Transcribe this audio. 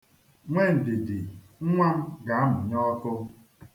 Nwe ndidi, nnwa m ga-amụnye ọkụ.